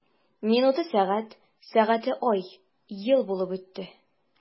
Минуты— сәгать, сәгате— ай, ел булып үтте.